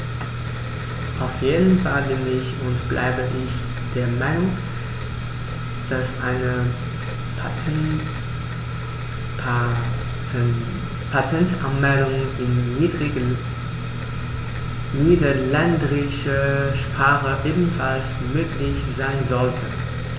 Auf jeden Fall bin - und bleibe - ich der Meinung, dass eine Patentanmeldung in niederländischer Sprache ebenfalls möglich sein sollte.